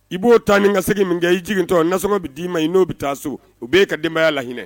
I b'o taa ni ka segin min kɛ,I jiigintɔ nasɔngɔ bɛ d di'i ma, i n'o bɛ taa so ka denbayaya lahinɛinɛ.